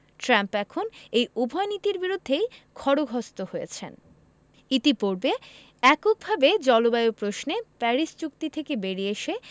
Trump এখন এই উভয় নীতির বিরুদ্ধেই খড়গহস্ত হয়েছেন ইতিপূর্বে এককভাবে জলবায়ু প্রশ্নে প্যারিস চুক্তি থেকে বেরিয়ে এসে